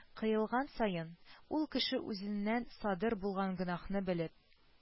Кыйлган саен, ул кеше үзеннән садыр булган гөнаһыны белеп,